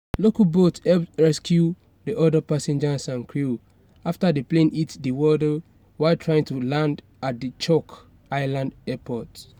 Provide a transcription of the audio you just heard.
Local boats helped rescue the other passengers and crew after the plane hit the water while trying to land at the Chuuk Island airport.